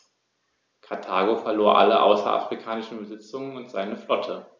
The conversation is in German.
Karthago verlor alle außerafrikanischen Besitzungen und seine Flotte.